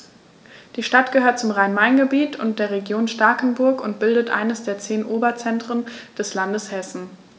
Die Stadt gehört zum Rhein-Main-Gebiet und der Region Starkenburg und bildet eines der zehn Oberzentren des Landes Hessen.